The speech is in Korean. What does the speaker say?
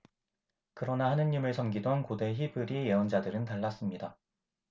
그러나 하느님을 섬기던 고대 히브리 예언자들은 달랐습니다